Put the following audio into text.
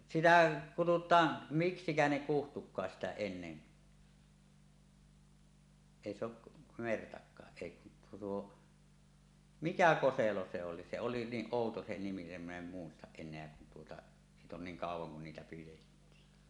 sitä kutsutaan miksikä ne kutsuikaan sitä ennen ei se ole mertakaan ei kun tuo tuo mikä koselo se oli se oli niin outo se nimi niin min en muista enää kun tuota siitä on niin kauan kun niitä pidettiin